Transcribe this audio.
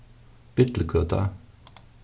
billugøta